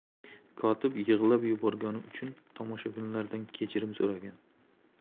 kotib yig'lab yuborgani uchun tomoshabinlardan kechirim so'ragan